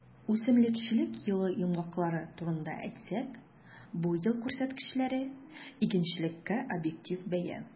Үсемлекчелек елы йомгаклары турында әйтсәк, бу ел күрсәткечләре - игенчелеккә объектив бәя.